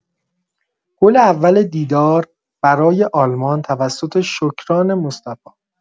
گل اول دیدار برای آلمان توسط شکران مصطفی